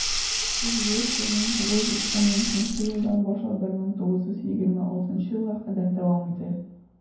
Төзелеш 1913 елдан башлап 1926 елга кадәр дәвам итә.